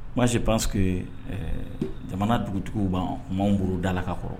Se pan que jamana dugutigi ban b' b bolo dalala ka kɔrɔ